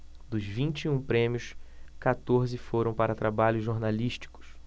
dos vinte e um prêmios quatorze foram para trabalhos jornalísticos